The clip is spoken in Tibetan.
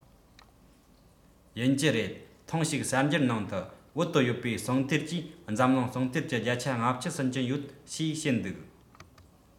ཡིན གྱི རེད ཐེངས ཤིག གསར འགྱུར ནང དུ བོད དུ ཡོད པའི ཟངས གཏེར གྱིས འཛམ གླིང ཟངས གཏེར གྱི བརྒྱ ཆ ལྔ བཅུ ཟིན གྱི ཡོད ཞེས བཤད འདུག